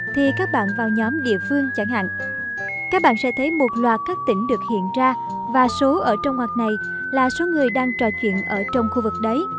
thì các bạn vào nhóm địa phương chẳng hạn các bạn sẽ thấy loạt các tỉnh được hiện ra và số ở trong ngoặc này là số người đang trò chuyện ở trong khu vực đấy